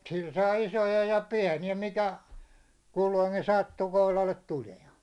sillä saa isoja ja pieniä mikä kulloinkin sattui kohdalle tulemaan